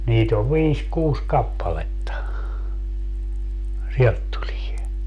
niitä on viisi kuusi kappaletta sieltä tulee